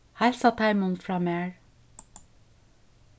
heilsa teimum frá mær